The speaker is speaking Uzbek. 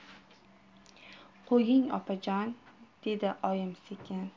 qo'ying opajon dedi oyim sekin